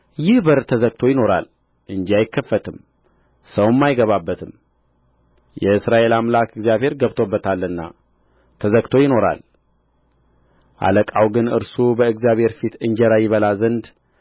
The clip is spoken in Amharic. ይህ በር ተዘግቶ ይኖራል እንጂ አይከፈትም ሰውም አይገባበትም የእስራኤል አምላክ እግዚአብሔር ገብቶበታልና ተዘግቶ ይኖራል አለቃው ግን እርሱ በእግዚአብሔር ፊት እንጀራ ይበላ ዘንድ